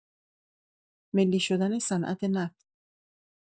ملی شدن صنعت‌نفت